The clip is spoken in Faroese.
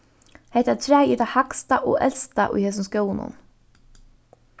hetta træið er tað hægsta og elsta í hesum skóginum